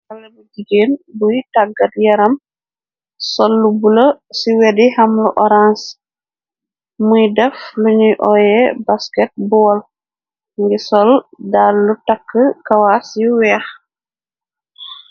salemu jigéen buy tàggat yaram sollu bula ci wedi xamlu orange muy def luñuy oye basket bool ngi sol dal lu tàkk kawaas yu weex